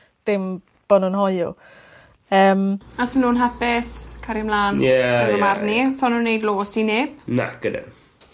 Dim bo' nw'n hoyw. Yym. Os ma' nw'n hapus cario mlan... Ie ie ie. ...yn ym marn i. So nw'n neud los i neb. Nac ydyn.